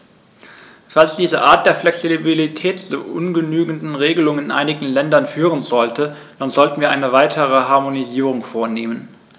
Falls diese Art der Flexibilität zu ungenügenden Regelungen in einigen Ländern führen sollte, dann sollten wir eine weitere Harmonisierung vornehmen.